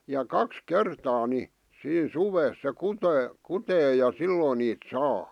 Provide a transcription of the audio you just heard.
ja kaksi kertaa niin siinä suvessa se kutee kutee ja silloin niitä saa